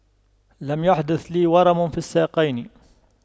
لم يحدث لي ورم في الساقين